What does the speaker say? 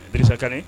Dirisa Kanɛ